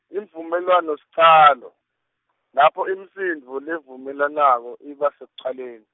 Imvumelwanosicalo , lapho imisindvo levumelanako iba sekucaleni.